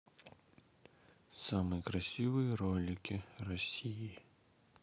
самые красивые ролики россии